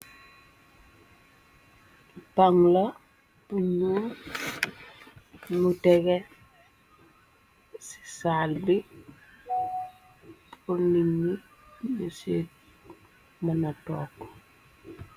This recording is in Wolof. Bang la bu nuul mu tege ci saal bi pur neetnye nuset muna tonke.